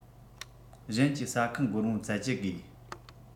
གཞན གྱིས ཟ ཁང སྒོར མོ བཙལ བཅད དགོས